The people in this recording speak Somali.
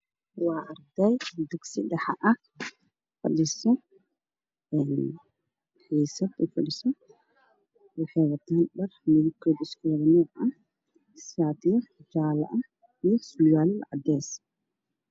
wa arday dugsi dhaxa a fadhisa xisad waxay watan Dhar midabkodu iskuwada noc ah shatiyo jala ah iyo suwalo Cades ah